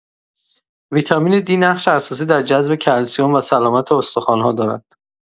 ویتامین دی نقش اساسی در جذب کلسیم و سلامت استخوان‌ها دارد.